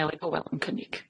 Mary Powell yn cynnig.